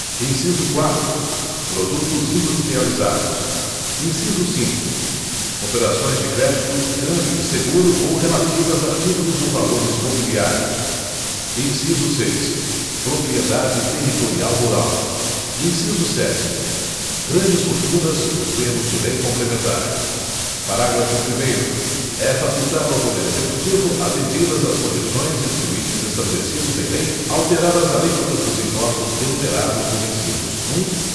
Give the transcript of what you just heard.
inciso quatro produtos industrializados inciso cinco operações de crédito câmbio e seguro ou relativas a títulos ou valores mobiliários inciso seis propriedade territorial rural inciso sete grandes fortunas nos termos de lei complementar parágrafo primeiro é facultado ao poder executivo atendidas as condições e os limites estabelecidos em lei alterar as alíquotas dos impostos enumerados nos incisos um